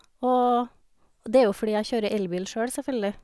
og Og det er jo fordi jeg kjører elbil sjøl, selvfølgelig.